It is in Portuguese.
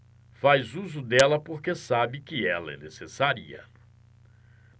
faz uso dela porque sabe que ela é necessária